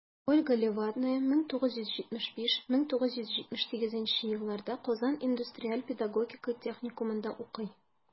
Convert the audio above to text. Ольга Левадная 1975-1978 елларда Казан индустриаль-педагогика техникумында укый.